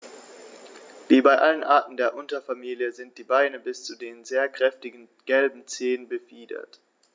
Wie bei allen Arten der Unterfamilie sind die Beine bis zu den sehr kräftigen gelben Zehen befiedert.